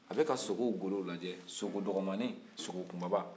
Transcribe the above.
a bɛka sogow golo lajɛ sogodɔgɔmanni sogokumaba